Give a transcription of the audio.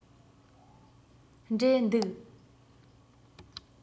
འབྲས འདུག